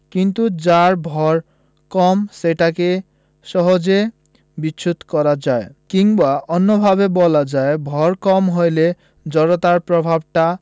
কিন্তু যার ভয় কম সেটাকে সহজে বিচ্যুত করা যায় কিংবা অন্যভাবে বলা যায় ভর কম হলে জড়তার প্রভাবটা